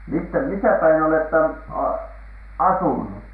mistä missäpäin olette - asunut